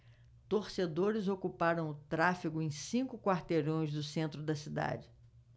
torcedores ocuparam o tráfego em cinco quarteirões do centro da cidade